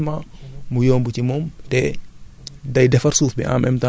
loolu suuf si da koy gàncax bi da koy utiliser facilement